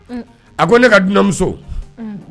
A ko ne ka dunanmuso.